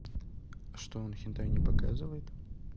а что он хентай не показывает